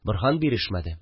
Борһан бирешмәде